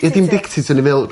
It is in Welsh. Ia dim dictator o'n i fe'wl...